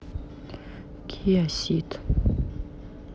киа сид